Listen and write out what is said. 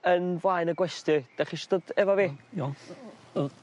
yn flaen y gwesty 'dach chi isio dod efo fi? Iawn iawn o- o- yy